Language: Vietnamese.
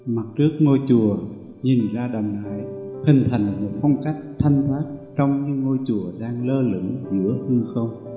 mặt trước của chùa hướng ra đầm nại hình thành một phong cách thanh thoát trông như ngôi chùa đang lơ lũng giữa hư không